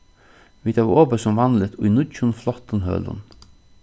vit hava opið sum vanligt í nýggjum flottum hølum